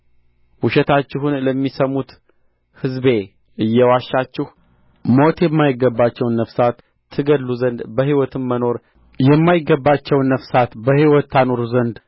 ውሸታችሁን ለሚሰሙት ሕዝቤ እየዋሻችሁ ሞት የማይገባቸውን ነፍሳት ትገድሉ ዘንድ በሕይወትም መኖር የማይገባቸውን ነፍሳት በሕይወት ታኖሩ ዘንድ